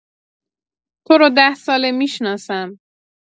تو رو ده‌ساله می‌شناسم.